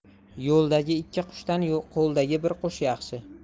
yo'ldagi ikki qushdan qo'ldagi bir qush yaxshi